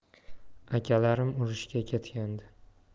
akalarim urushga ketgandi